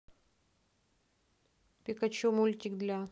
пикачу мультик для